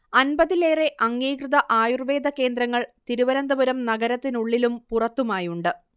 അൻപതിലേറെ അംഗീകൃത ആയുർവേദ കേന്ദ്രങ്ങൾ തിരുവനന്തപുരം നഗരത്തിനുള്ളിലും പുറത്തുമായുണ്ട്